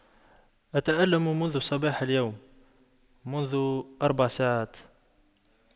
أتألم منذ صباح اليوم منذ أربع ساعات